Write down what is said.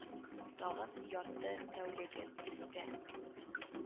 Тагын ярты тәүлеген өстә